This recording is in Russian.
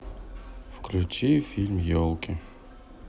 включи фильм елки